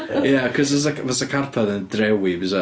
Ia, achos fysa fysa'r carped yn drewi fysa?